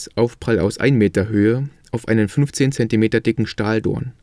Aufprall aus 1 m Höhe auf einen 15 cm dicken Stahldorn